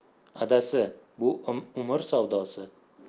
adasi bu umr savdosi